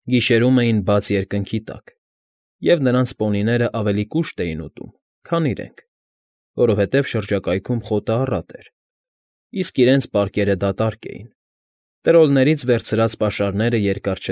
Գիշերում էին բաց երկնքի տակ, և նրանց պոնիներն ավելի կուշտ էին ուտում, քան իրենք, որովհետև շրջակայքում խոտը առատ էր, իսկ իրենց պարկերը դատարկ էին՝ տրոլներից վերցրած պաշարները երկար։